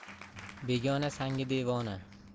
begona sangi devona